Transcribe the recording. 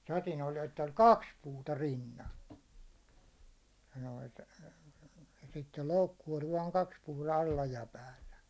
sadin oli että oli kaksi puuta rinnan ja noita ja sitten loukku oli vain kaksi puuta alla ja päällä